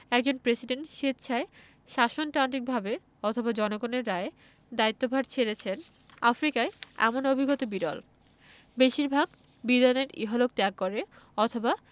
একজন প্রেসিডেন্ট স্বেচ্ছায় শাসনতান্ত্রিকভাবে অথবা জনগণের রায়ে দায়িত্বভার ছেড়েছেন আফ্রিকায় এমন অভিজ্ঞতা বিরল বেশির ভাগ বিদায় নেন হয় ইহলোক ত্যাগ করে অথবা